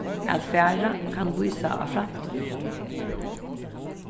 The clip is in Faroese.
at fara kann vísa á framtíð